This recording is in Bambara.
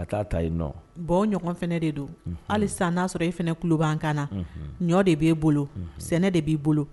Ka taa ta yen nɔ bon o ɲɔgɔn fana de don, unhun, hali sisan n'a sɔrɔ e fana tulo b'an kanna, unhun, ɲɔ de b'e bolo, sɛnɛ de b'i bolo